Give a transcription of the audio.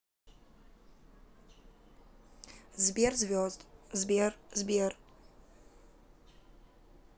сбер звезд сбер сбер